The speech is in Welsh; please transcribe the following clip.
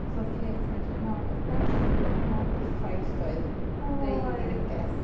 Achos oedd Kate yn edrych mor... oedd gwallt hi mor berffaith doedd yn yn deud ei neges.